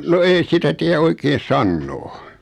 no ei sitä tiedä oikein sanoa